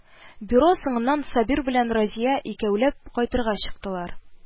Бюро соңыннан Сабир белән Разия икәүләп кайтырга чыктылар